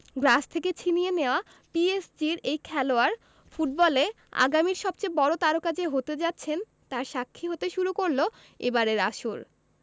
গ্রাস থেকে ছিনিয়ে নেওয়া পিএসজির এই খেলোয়াড় ফুটবলে আগামীর সবচেয়ে বড় তারকা যে হতে যাচ্ছেন তার সাক্ষী হতে শুরু করল এবারের আসর